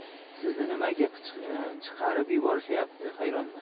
sizni nimaga chiqarib yuborishmayapti hayronman